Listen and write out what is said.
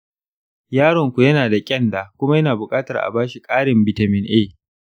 yaronku yana da ƙyanda kuma yana buƙatar a bashi ƙarin bitamin a.